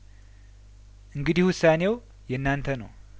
እንግዲህ ውሳኔው የእናንተ ነው